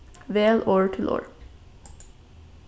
vel orð til orð